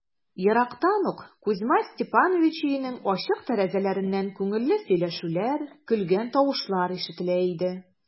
Ерактан ук Кузьма Степанович өенең ачык тәрәзәләреннән күңелле сөйләшүләр, көлгән тавышлар ишетелә иде.